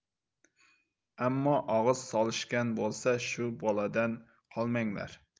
ammo og'iz solishgan bo'lsa shu boladan qolmanglar